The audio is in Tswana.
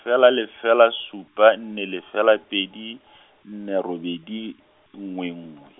fela lefela supa nne lefela pedi, nne robedi, nngwe nngwe.